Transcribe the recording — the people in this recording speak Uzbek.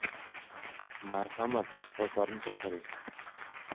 marhamat shifokorni chaqiring